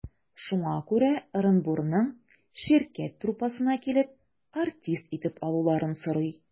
Шуңа күрә Ырынбурның «Ширкәт» труппасына килеп, артист итеп алуларын сорый.